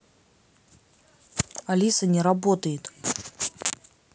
алиса не работает